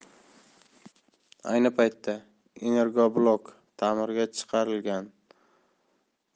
ayni paytda energoblok ta'mirga chiqarilgan